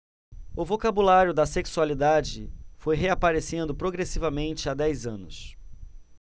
o vocabulário da sexualidade foi reaparecendo progressivamente há dez anos